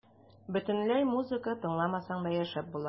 Бөтенләй музыка тыңламасаң да яшәп була.